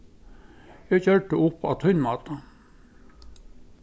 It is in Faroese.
eg gjørdi tað upp á tín máta